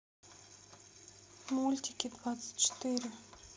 мультики двадцать четыре